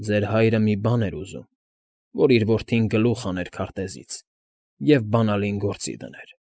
Ձեր հայրը մի բան էր ուզում՝ որ իր որդին գլուխ հաներ քարտեզից և բանալին գործի դներ։